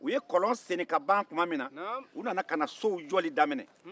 u ye kɔlɔn sen ni ka ban tuma min na u nana ka na sow jɔli daminɛ